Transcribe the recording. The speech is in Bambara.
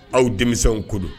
Aw denmisɛnww kulu